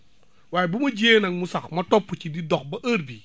waaye ba ma jiyee nag mu sax ma topp ci di dox ba heure bii